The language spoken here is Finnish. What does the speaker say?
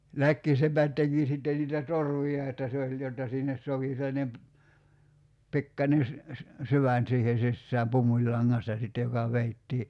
läkkisepät teki sitten niitä torvia että se oli jotta sinne sopi sellainen - pikkuinen - syvään siihen sisään pumpulilangasta sitten joka vedettiin